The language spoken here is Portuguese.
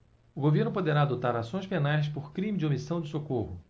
o governo poderá adotar ações penais por crime de omissão de socorro